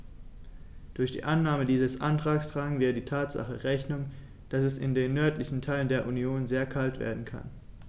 Durch die Annahme dieses Antrags tragen wir der Tatsache Rechnung, dass es in den nördlichen Teilen der Union sehr kalt werden kann.